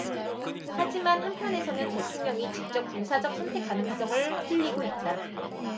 하지만 한편에서는 대통령이 직접 군사적 선택 가능성을 흘리고 있다